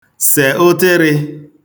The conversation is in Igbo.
sè ụtịrị̄